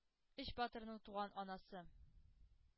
Өч батырның туган анасы.